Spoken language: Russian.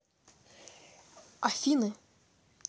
афины блядь